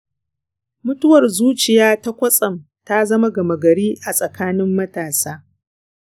mutuwar zuciya ta kwatsam ta zama gama gari a tsakanin matasa?